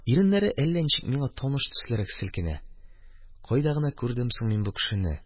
Иреннәре әллә ничек, миңа таныш төслерәк селкенә, кайда гына күрдем соң мин бу кешене?